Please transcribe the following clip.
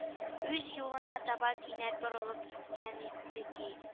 Үз юлына таба кинәт борылып киткән иде, ди